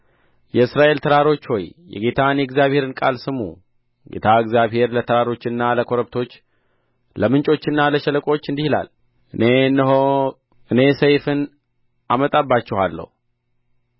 የእስራኤል ተራሮች ሆይ የጌታን የእግዚአብሔርን ቃል ስሙ ጌታ እግዚአብሔር ለተራሮችና ለኮረብቶች ለምንጮችና ለሸለቆች እንዲህ ይላል እኔ እነሆ እኔ ሰይፍን አመጣባችኋለሁ